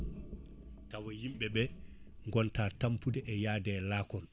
taw yimɓeɓe gonta tampude e yaade e laakon